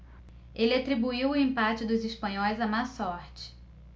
ele atribuiu o empate dos espanhóis à má sorte